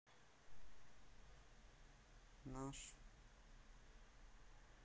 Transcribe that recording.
наш